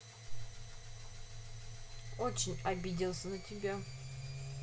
очень обиделся на тебя